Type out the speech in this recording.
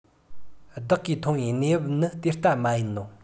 བདག གིས མཐོང བའི གནས བབ ནི དེ ལྟ མ ཡིན ནོ